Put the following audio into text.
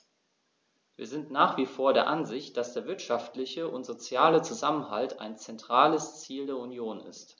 Wir sind nach wie vor der Ansicht, dass der wirtschaftliche und soziale Zusammenhalt ein zentrales Ziel der Union ist.